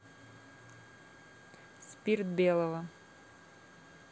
спирт белого